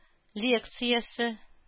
Лекциясе